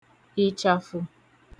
ị̀chàfụ̀